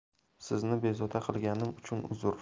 sizni bezovta qilganim uchun uzr